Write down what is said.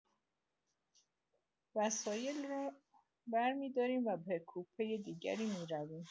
وسایل را برمی‌داریم و به کوپه دیگری می‌رویم.